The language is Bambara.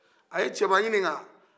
a ye cɛba ɲinika